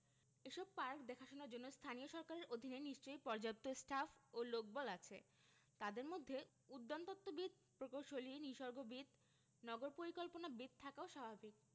এসব পার্ক দেখাশোনার জন্য স্থানীয় সরকারের অধীনে নিশ্চয়ই পর্যাপ্ত স্টাফ ও লোকবল আছে তাদের মধ্যে উদ্যানতত্ত্ববিদ প্রকৌশলী নিসর্গবিদ নগর পরিকল্পনাবিদ থাকাও স্বাভাবিক